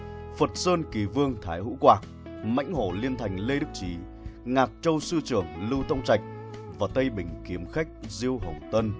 phật sơn kỳ vương thái hữu quảng mãnh hổ liên thành lê đức chí ngạc châu sư trưởng lưu tông trạch tây bình kiếm khách diêu hồng tân